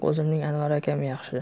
o'zimning anvar akam yaxshi